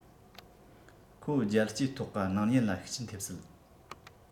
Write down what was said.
ཁོ རྒྱལ སྤྱིའི ཐོག གི སྣང བརྙན ལ ཤུགས རྐྱེན ཐེབས སྲིད